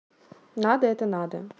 надо это надо